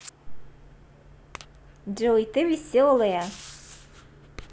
джой ты веселая